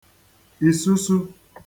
ìsusū